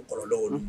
Kɔrɔ dɔww